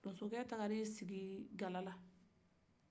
donso kɛ taga a sigi galala